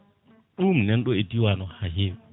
ɗum nanɗo e diwan he ha hewi